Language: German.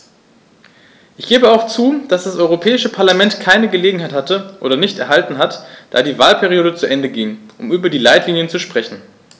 Ich gebe auch zu, dass das Europäische Parlament keine Gelegenheit hatte - oder nicht erhalten hat, da die Wahlperiode zu Ende ging -, um über die Leitlinien zu sprechen.